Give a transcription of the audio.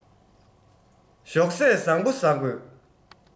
ཞོགས ཟས བཟང པོ བཟའ དགོས